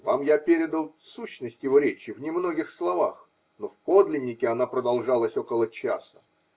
Вам я передал сущность его речи в немногих словах, но в подлиннике она продолжалась около часа.